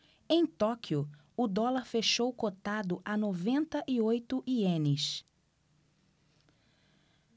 em tóquio o dólar fechou cotado a noventa e oito ienes